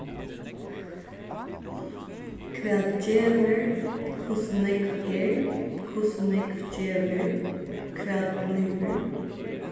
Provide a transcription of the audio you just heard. hvat gevur hvussu nógv er hvussu nógv gevur hvat blívur